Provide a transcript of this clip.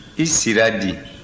i sira di